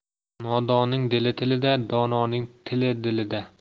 nodonning dili tilida dononing till dilida